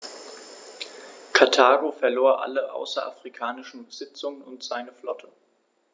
Karthago verlor alle außerafrikanischen Besitzungen und seine Flotte.